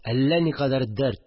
Әллә никадәр дәрт